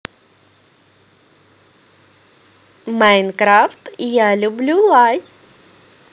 minecraft я люблю лай